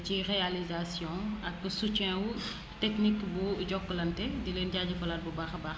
ci réalisation ak soutien wu technique bu Jokalante di leen jaajëfalaat bu baax a baax